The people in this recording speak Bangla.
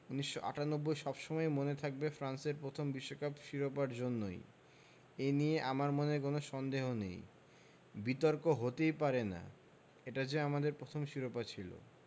১৯৯৮ সব সময়ই মনে থাকবে ফ্রান্সের প্রথম বিশ্বকাপ শিরোপার জন্যই এ নিয়ে আমার মনে কোনো সন্দেহ নেই বিতর্ক হতেই পারে না এটা যে আমাদের প্রথম শিরোপা ছিল